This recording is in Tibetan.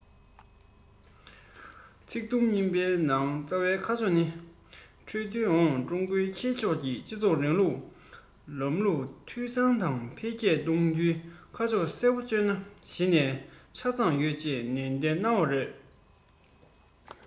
ཚིག དུམ གཉིས པའི ནང རྩ བའི ཁ ཕྱོགས ཀྱི ཁྲིད སྟོན འོག ཀྲུང གོའི ཁྱད ཆོས ཀྱི སྤྱི ཚོགས རིང ལུགས ལམ ལུགས འཐུས ཚང དང འཕེལ རྒྱས གཏོང རྒྱུའི ཁ ཕྱོགས གསལ པོ བརྗོད ན གཞི ནས ཆ ཚང ཡོད ཅེས ནན བཤད གནང བ རེད